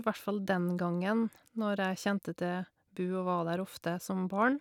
Hvert fall den gangen når jeg kjente til Bud og var der ofte som barn.